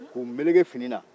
k'u meleke fini na